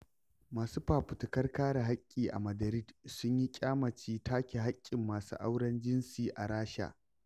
Masu fafutukar kare haƙƙi a Madrid sun yi ƙyamaci take haƙƙin masu auren jinsi a Rasha